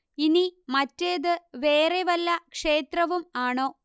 ഇനി മറ്റേത് വേറെ വല്ല ക്ഷേത്രവും ആണോ